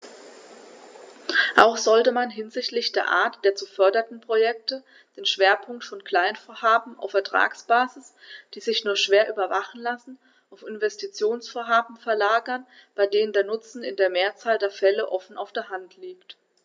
Auch sollte man hinsichtlich der Art der zu fördernden Projekte den Schwerpunkt von Kleinvorhaben auf Ertragsbasis, die sich nur schwer überwachen lassen, auf Investitionsvorhaben verlagern, bei denen der Nutzen in der Mehrzahl der Fälle offen auf der Hand liegt.